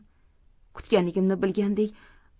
kutganligimni bilgandek